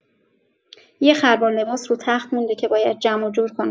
یه خروار لباس رو تخت مونده که باید جمع و جور کنم.